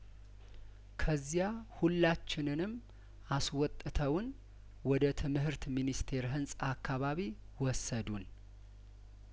ከዚያ ሁላችንንም አስወጥተውን ወደ ትምህርት ሚኒስቴር ህንጻ አካባቢ ወሰዱን